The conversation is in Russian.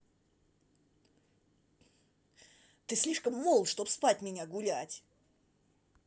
ты слишком молод чтобы спать меня гулять